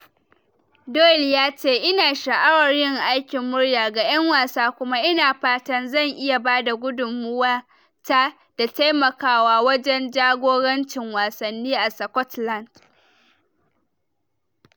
Doyle ya ce: "Ina sha’awar inyi aikin muryar ga 'yan wasa kuma ina fatan zan iya bada gudunmawata da taimakawa wajen jagorancin wasanni a Scotland."